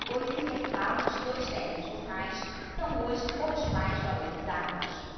os intervalos dos telejornais são hoje os mais valorizados